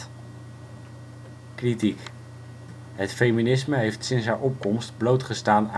feminisme heeft sinds haar opkomst bloot gestaan